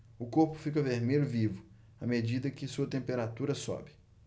o corpo fica vermelho vivo à medida que sua temperatura sobe